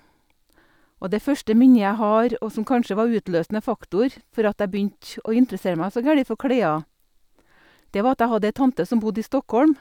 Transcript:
Og det første minnet jeg har, og som kanskje var utløsende faktor for at jeg begynte å interessere meg så gæli for klær, det var at jeg hadde ei tante som bodde i Stockholm.